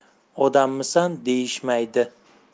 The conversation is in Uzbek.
odammisan deyishmaydi